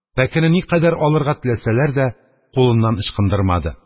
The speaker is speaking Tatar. Пәкене никадәр алырга теләсәләр дә, кулыннан ычкындырмады.